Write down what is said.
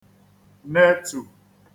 netù